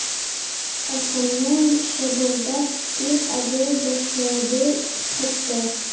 Аркамнан шабырдап тир ага башлады хәтта.